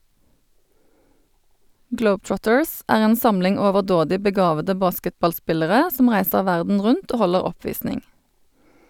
Globetrotters er en samling overdådig begavede basketballspillere som reiser verden rundt og holder oppvisning.